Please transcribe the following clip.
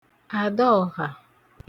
Àdaọ̀hà